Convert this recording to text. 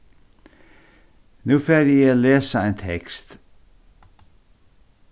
nú fari eg at lesa ein tekst